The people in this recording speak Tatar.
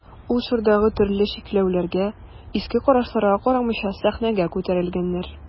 Ул чордагы төрле чикләүләргә, иске карашларга карамыйча сәхнәгә күтәрелгәннәр.